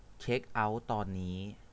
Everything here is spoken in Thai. เช็คเอ้าท์ตอนนี้